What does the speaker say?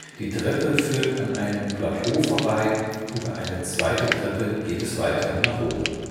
Die Treppe führt an einem Plateau vorbei, über eine zweite Treppe geht es weiter nach oben